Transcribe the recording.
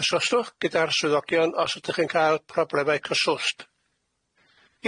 Cysylltwch gyda'r swyddogion os ydych yn cael problemau cyswllt.